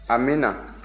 amiina